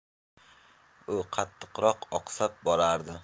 u qattiqroq oqsab borardi